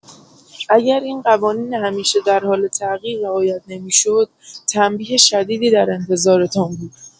اگر این قوانین همیشه در حال تغییر رعایت نمی‌شد، تنبیه شدیدی در انتظارتان بود.